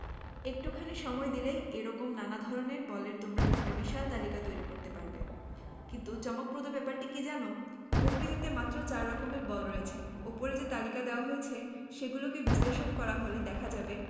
একটুখানি সময় দিলেই এ রকম নানা ধরনের বলের তোমরা একটা বিশাল তালিকা তৈরি করতে পারবে কিন্তু চমকপ্রদ ব্যাপারটি কী জানো প্রকৃতিতে মাত্র চার রকমের বল রয়েছে ওপরে যে তালিকা দেওয়া হয়েছে সেগুলোকে বিশ্লেষণ করা হলে দেখা যাবে